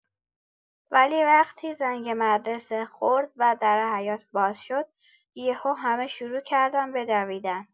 ولی وقتی زنگ مدرسه خورد و در حیاط باز شد، یه‌هو همه شروع‌کردن به دویدن.